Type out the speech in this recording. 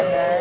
đây